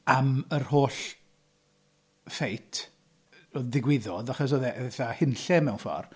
Am yr holl fight ddigwyddodd. Achos oedd e fatha hunllef mewn ffordd.